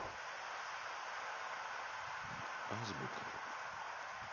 азбука